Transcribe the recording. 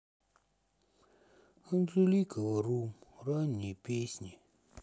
анжелика варум ранние песни